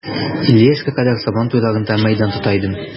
Илле яшькә кадәр сабан туйларында мәйдан тота идем.